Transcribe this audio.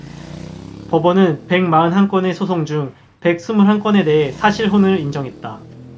법원은 백 마흔 한 건의 소송 중 백 스물 한 건에 대해 사실혼을 인정했다